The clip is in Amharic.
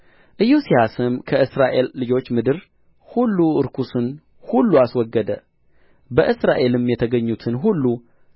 ኢዮስያስም ከእስራኤል ልጆች ምድር ሁሉ ርኩሱን ሁሉ አስወገደ በእስራኤልም የተገኙትን ሁሉ